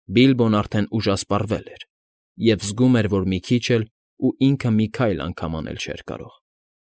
Բիլբոն արդեն ուժասպառվել էր և զգում էր, որ մի քիչ էլ՝ ու ինքը մի քայլ անգամ անել չի կարող։